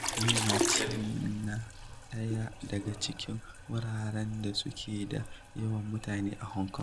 Yau Ma Tei na ɗaya daga cikin wuraren da suke da yawan mutane a Hong Kong.